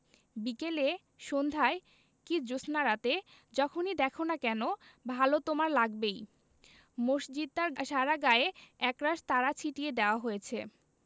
বিকেলে সন্ধায় কি জ্যোৎস্নারাতে যখনি দ্যাখো না কেন ভালো তোমার লাগবেই মসজিদটার সারা গায়ে একরাশ তারা ছিটিয়ে দেয়া হয়েছে